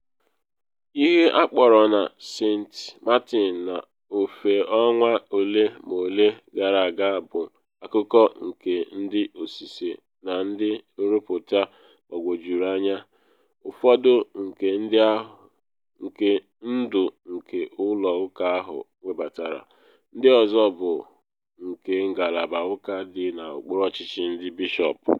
Ihe akpọrọ na St. Martin n’ofe ọnwa ole ma ole gara aga bụ akụkọ nke ndị ọsịse na ndị nrụpụta gbagwojuru anya, ụfọdụ nke ndị ndu nke ụlọ ụka ahụ webatara, ndị ọzọ bụ nke ngalaba ụka dị n’okpuru ọchịchị ndị Bishọpụ.